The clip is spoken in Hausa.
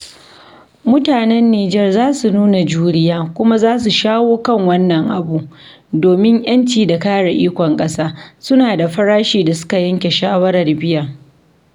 Mutanen Nijar za su nuna juriya, kuma za su shawo kan wannan abu, domin ƴanci da kare ikon ƙasa, suna da farashi da suka yanke shawarar biya.